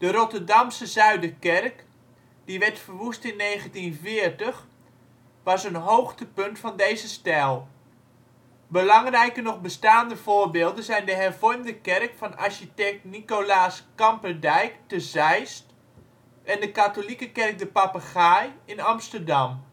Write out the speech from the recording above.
Rotterdamse Zuiderkerk, die werd verwoest in 1940, was een hoogtepunt van deze stijl. Belangrijke nog bestaande voorbeelden zijn de hervormde kerk van architect Nicolaas Kamperdijk te Zeist en de katholieke kerk De Papegaai in Amsterdam